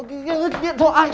ơ kìa kìa điện thoại